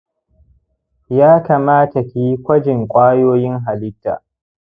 ya kamata kiyi kwajin kwayoyin halitta